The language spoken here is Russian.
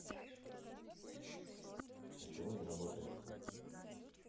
а чего не работает то